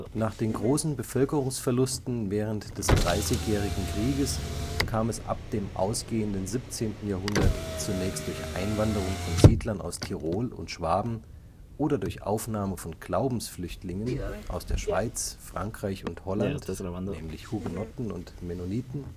Nach den großen Bevölkerungsverlusten während des Dreißigjährigen Krieges kam es ab dem ausgehenden 17. Jahrhundert zunächst durch Einwanderung von Siedlern aus Tirol und Schwaben oder durch Aufnahme von Glaubensflüchtlingen aus der Schweiz, Frankreich und Holland (Hugenotten, Mennoniten